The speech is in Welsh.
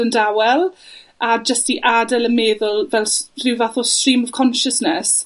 yn dawel, a jyst ti adel y meddwl fel s- rhyw fath o stream of conciousness.